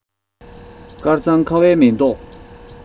དཀར གཙང ཁ བའི མེ ཏོག